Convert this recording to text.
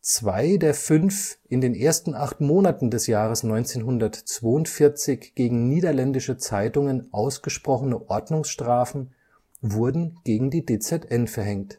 Zwei der fünf in den ersten acht Monaten des Jahres 1942 gegen niederländische Zeitungen ausgesprochene Ordnungsstrafen wurden gegen die DZN verhängt